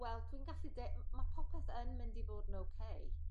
wel dwi'n gallu de- m- ma' popeth yn mynd i fod yn oce.